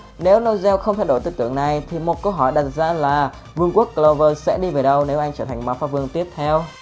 nếu nozel không thay đổi tư tưởng này thì câu hỏi đặt ra là vương quốc clover sẽ đi về đâu nếu anh trở thành mpv tiếp theo